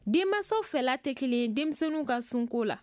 denmansa fɛla tɛ kelen ye denmisɛnninw ka sunko la